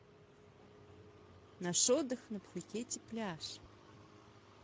наш отдых на пхукете пляж